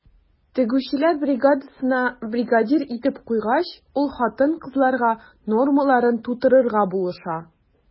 Тегүчеләр бригадасына бригадир итеп куйгач, ул хатын-кызларга нормаларын тутырырга булыша.